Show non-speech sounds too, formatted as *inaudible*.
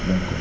*hesitation*